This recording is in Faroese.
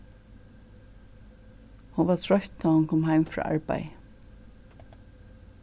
hon var troytt tá hon kom heim frá arbeiði